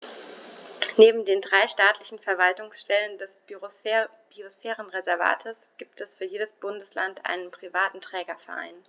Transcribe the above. Neben den drei staatlichen Verwaltungsstellen des Biosphärenreservates gibt es für jedes Bundesland einen privaten Trägerverein.